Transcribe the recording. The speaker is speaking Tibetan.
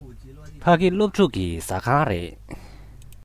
ཕ གི སློབ ཕྲུག གི ཟ ཁང རེད